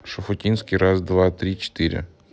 шуфутинский раз два три четыре